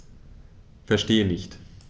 Verstehe nicht.